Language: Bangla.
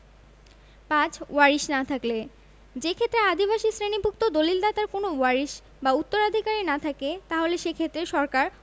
৫ ওয়ারিশ না থাকলে যেক্ষেত্রে আদিবাসী শ্রেণীভুক্ত দলিদাতার কোনও ওয়ারিশ উত্তরাধিকারী না থাকে তাহলে সেক্ষেত্রে সরকার